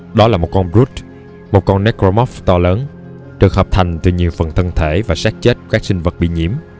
đó là một con brute một con necromorphs to lớn được hợp thành từ nhiều phần thân thể và xác chết của các sinh vật bị nhiễm